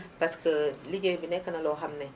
parce que liggéey bi nekk na loo xam ne